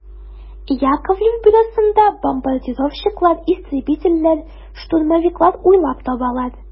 Яковлев бюросында бомбардировщиклар, истребительләр, штурмовиклар уйлап табалар.